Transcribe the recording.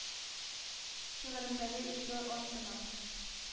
Шигъремдәге изге антына.